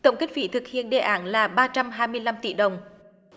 tổng kinh phí thực hiện đề án là ba trăm hai mươi lăm tỷ đồng